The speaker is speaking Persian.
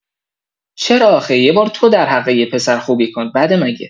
چرا آخه یبار تو در حق یه پسر خوبی کن بده مگه؟